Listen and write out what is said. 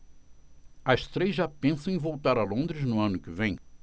as três já pensam em voltar a londres no ano que vem